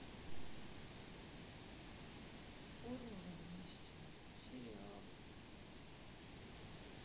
формула мести сериал